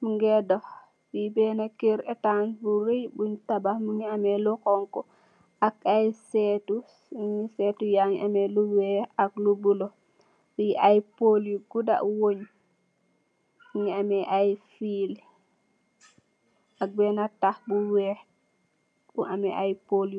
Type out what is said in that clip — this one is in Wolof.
mungee doh, fii bena kerr etaas bu rey buñ tabah, mungi ame lu xonxu, ak aye seetu, seetu yaangi ame lu weeh ak lu buleuh, fii aye pool yu guda weuñ, mungi ame aye fiil, ak bena taah bu weeh, bu ama aye pool.